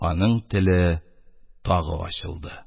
Аның теле тагы ачылды.